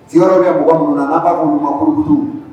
Si bɛ b mɔgɔ mun na a' kumakurutu